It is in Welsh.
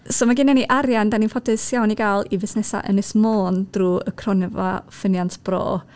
So ma' gennyn ni arian dan ni'n ffodus iawn i gael, i fusnesau Ynys Môn, drwy y cronfa Ffyniant Bro.